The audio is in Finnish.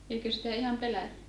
eikö sitä ihan pelätty